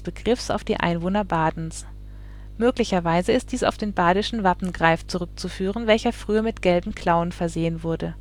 badischen Wappengreif zurückzuführen, welcher früher mit gelben Klauen versehen wurde